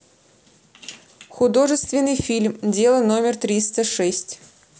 художественный фильм дело номер триста шесть